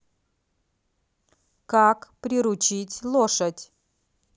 как приручить лошадь